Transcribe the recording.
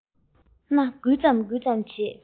སྣ འགུལ ཙམ འགུལ ཙམ བྱེད